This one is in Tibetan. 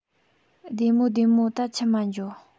བདེ མོ བདེ མོ ད ཁྱིམ མ འགྱོ